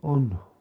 on